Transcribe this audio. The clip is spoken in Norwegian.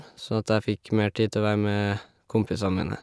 Sånn at jeg fikk mer tid til å være med kompisene mine.